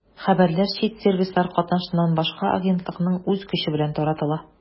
Хәбәрләр чит сервислар катнашыннан башка агентлыкның үз көче белән таратыла.